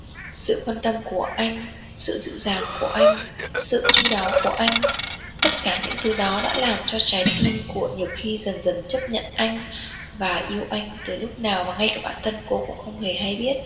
sự quan tâm của anh sự dịu dàng của anh sự chu đáo của anh tất cả những thứ đó đã làm cho trái tim của nhược hy dần dần chấp nhận anh và yêu anh từ lúc nào mà ngay bản thân cô cũng không hề hay biết